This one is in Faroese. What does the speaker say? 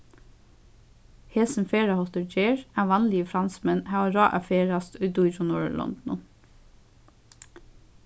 hesin ferðarháttur ger at vanligir fransmenn hava ráð at ferðast í dýru norðurlondunum